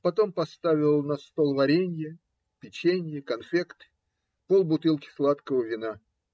Потом поставил на стол варенье, печенье, конфеты, полбутылки сладкого вина.